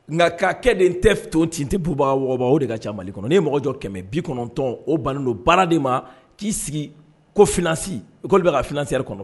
Nka' kɛ de tɛ tɔnon ten tɛ buba o de ka ca mali kɔnɔ ne ye mɔgɔjɔ kɛmɛ bi kɔnɔntɔn o ban don baara de ma k'i sigi ko fsi'a fsi yɛrɛ kɔnɔ